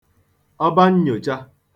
ọbannyòcha